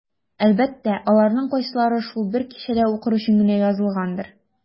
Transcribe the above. Әлбәттә, аларның кайсылары шул бер кичәдә укыр өчен генә язылгандыр.